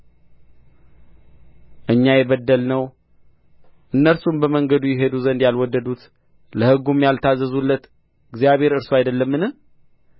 እኛ የበደልነው እነርሱም በመንገዱ ይሄዱ ዘንድ ያልወደዱት ለሕጉም ያልታዘዙለት እግዚአብሔር እርሱ አይደለምን